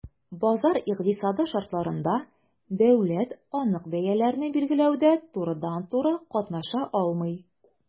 Базар икътисады шартларында дәүләт анык бәяләрне билгеләүдә турыдан-туры катнаша алмый.